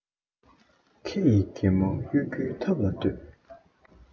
ཁེ ཡི སྒོ མོ དབྱེ རྒྱུའི ཐབས ལ ལྟོས